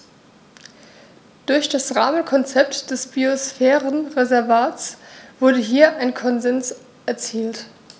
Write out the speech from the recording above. Durch das Rahmenkonzept des Biosphärenreservates wurde hier ein Konsens erzielt.